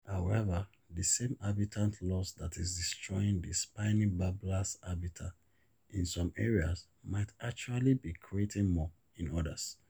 However, the same habitat loss that is destroying the Spiny Babbler's habitat in some areas might actually be creating more in others.